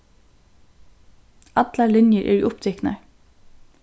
allar linjur eru upptiknar